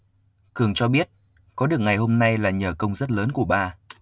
cường cho biết có được ngày hôm nay là nhờ công rất lớn của ba